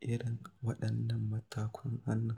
irin waɗannan matakan hannu.